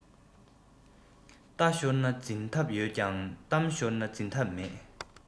རྟ ཤོར ན འཛིན ཐབས ཡོད ཀྱང གཏམ ཤོར ན འཛིན ཐབས མེད